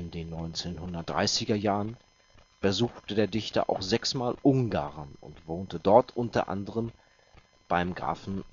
den 1930 - er Jahren besuchte der Dichter auch sechsmal Ungarn und wohnte dort u. a. beim Grafen